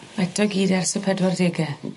Eto gyd ers y pedwar dege?